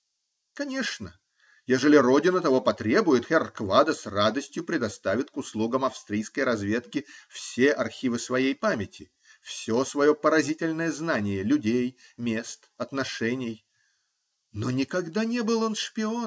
Конечно, ежели родина того потребует, херр Квада с радостью предоставит к услугам австрийской разведки все архивы своей памяти, все свое поразительное знание людей, мест, отношений. Но никогда не был он шпионом.